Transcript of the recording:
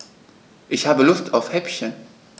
Ich habe Lust auf Häppchen.